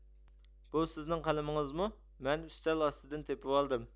بۇ سىزنىڭ قەلىمىڭىزمۇ مەن ئۈستەل ئاستىدىن تېپىۋالدىم